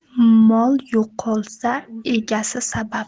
mol yo'qolsa egasi sabab